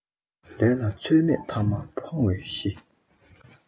ལས ལ ཚོད མེད ཐ མ ཕུང བའི གཞི